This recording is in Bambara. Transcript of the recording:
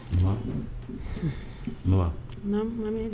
M m